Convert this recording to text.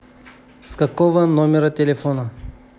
с какого номера телефона